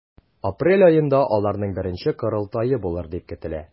Апрель аенда аларның беренче корылтае булыр дип көтелә.